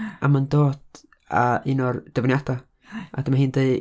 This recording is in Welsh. A ma'n dod â un o'r dyfyniadau. A dyma hi'n deud: